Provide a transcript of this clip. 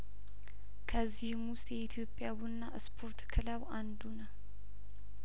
ከዚህም ውስጥ የኢትዮጵያ ቡና እስፖርት ክለብ አንዱ ነው